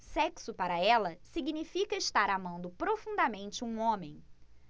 sexo para ela significa estar amando profundamente um homem